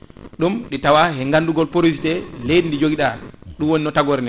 ɗum ɗi tawa he gandugol porosité leydi ndi joguiɗa ɗum woni tagore nde